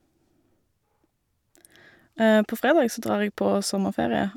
På fredag så drar jeg på sommerferie.